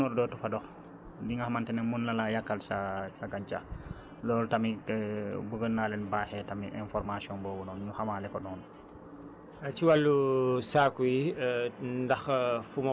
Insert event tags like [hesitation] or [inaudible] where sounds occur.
bu ëllëgee tamit nga defaat la même chose bu yàggee bépp gunóor dootu fa dox li nga xamante ne mën na la yàqal sa sa gàncax loolu tamit [hesitation] buggoon naa leen baaxee tamit information boobu noonu ñu xamaale ko noonu